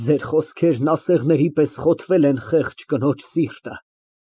Ձեր խոսքերն ասեղների պես խոթվել են խեղճ կնոջ սիրտը։